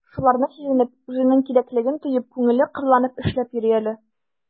Шуларны сизенеп, үзенең кирәклеген тоеп, күңеле кырланып эшләп йөри әле...